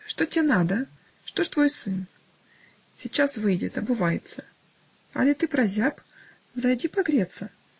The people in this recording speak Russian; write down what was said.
"Что те надо?" -- "Что ж твой сын?" -- "Сейчас выдет, обувается. Али ты прозяб? взойди погреться".